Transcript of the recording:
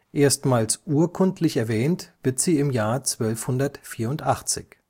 erstmals urkundlich erwähnt wird sie im Jahr 1284